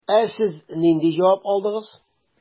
Ә сез нинди җавап алдыгыз?